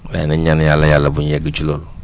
waaye nañ ñaan yàlla yàlla bu ñu yegg ci loolu